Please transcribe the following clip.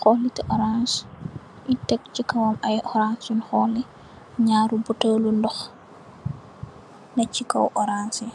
xolliti orans ñi tek ci kawam orans yun xolli ñaari butèèl lu ndox ne ci kaw orans yi.